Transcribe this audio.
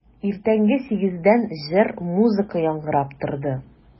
Иртәнге сигездән җыр, музыка яңгырап торды.